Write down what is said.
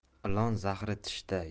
ilon zahri tishida